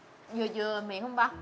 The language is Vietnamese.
dừa dừa miệng hông ba